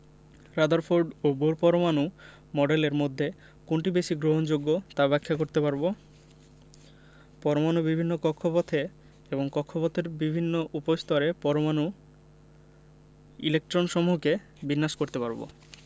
Rutherford ও Bohr পরমাণু মডেলের মধ্যে কোনটি বেশি গ্রহণযোগ্য তা ব্যাখ্যা করতে পারব পরমাণুর বিভিন্ন কক্ষপথে এবং কক্ষপথের বিভিন্ন উপস্তরে পরমাণুর ইলেকট্রনসমূহকে বিন্যাস করতে পারব